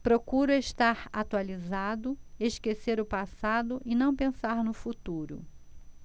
procuro estar atualizado esquecer o passado e não pensar no futuro